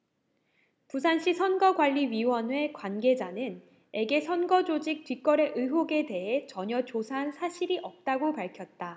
부산시선거관리위원회 관계자는 에게 선거조직 뒷거래의혹에 대해 전혀 조사한 사실이 없다고 밝혔다